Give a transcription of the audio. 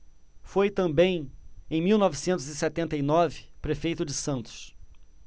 foi também em mil novecentos e setenta e nove prefeito de santos